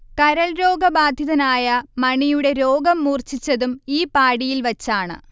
കരൾ രോഗബാധിതനായ മണിയുടെ രോഗം മൂർച്ഛിച്ചതും ഈ പാഡിയിൽ വച്ചാണ്